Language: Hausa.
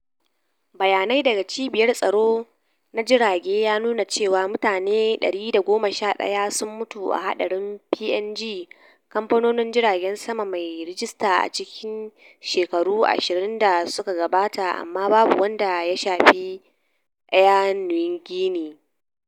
Bayanai daga Cibiyar Tsaro na Jirage ya nuna cewa mutane 111 sun mutu a hadarin PNG-kamfanonin jiragen sama mai rajista a cikin shekaru ashirin da suka gabata amma babu wanda ya shafi Air Niugini.